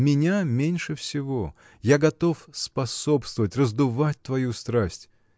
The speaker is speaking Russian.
— Меня меньше всего: я готов способствовать, раздувать твою страсть.